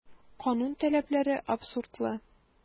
Канун таләпләре абсурдлы.